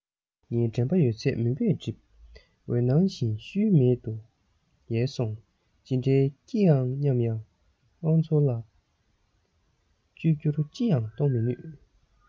ངའི དྲན པ ཡོད ཚད མུན པས བསྒྲིབས འོད སྣང བཞིན ཤུལ མེད དུ ཡལ སོང ཇི འདྲའི སྐྱིད ཨང སྙམ ཡང དབང ཚོར ལ བཅོས བསྒྱུར ཅི ཡང གཏོང མི ནུས